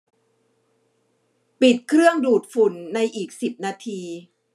ปิดเครื่องดูดฝุ่นในอีกสิบนาที